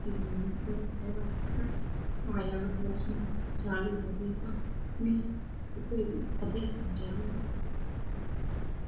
Waa qol waxaa yaalo kuraas jaalle ah oo fara badan darbiga waa caddaan